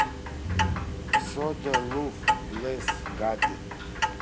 soda luv блэсс гад